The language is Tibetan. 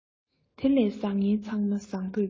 དེ ལས བཟང ངན ཚང མ བཟང པོས སྐྱོངས